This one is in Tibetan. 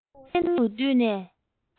སྣང བརྙན དུ བསྡུས ནས